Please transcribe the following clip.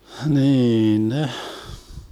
niin ne